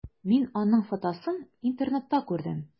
Мин аның фотосын интернетта күрдем.